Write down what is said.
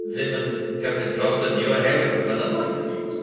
ddim yn cymryd droston ni, oherwydd y mynyddoedd!